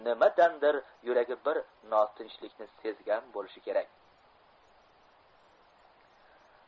nimadandir yuragi bir notinchlikni sezgan bo'lishi kerak